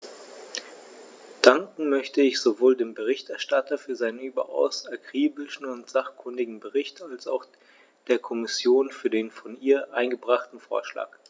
Danken möchte ich sowohl dem Berichterstatter für seinen überaus akribischen und sachkundigen Bericht als auch der Kommission für den von ihr eingebrachten Vorschlag.